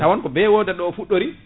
tawan ko be woda ɗo o fuɗɗori